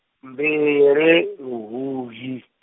mbili luhuhi.